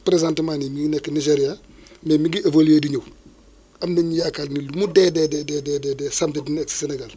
présentement nii mi ngi nekk Nigéria mais mi ngi évolué di ñëw am nañu yaakaar ni lu mu dee dee dee dee dee dee samedi dina egsi Sénégal